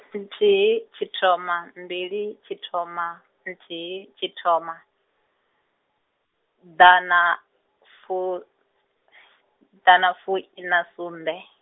nthihi, tshithoma, mbili, tshithoma, nthihi, tshithoma, ḓana fu- , ḓanafuiṋasumbe.